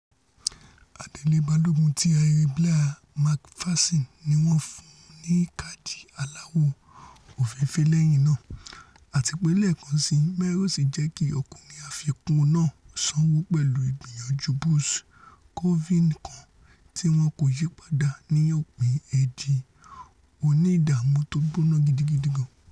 Adele balógun ti Ayr Blair Macpherson niwọ́n fún ní káàdì aláwọ̀ òfééèfé lẹ́yìn náà, àtipé lẹ́ẹ̀kan síi, Melrose jẹ́kì ọkùnrin àfikún náà sanwó pẹ̀lú ìgbìyànjú Bruce Colvine kan tíwọn kò yípadà, ní òpin èèdi oní-ìdààmu tó gbóná gidigidi kan.